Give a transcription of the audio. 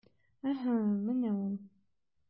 Әһә, менә ул...